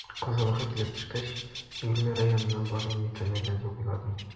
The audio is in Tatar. Казанга килеп төшкәч, "Гөлнара янына барыйм микән әллә?", дип уйландым.